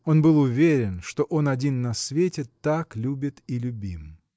Он был уверен, что он один на свете так любит и любим.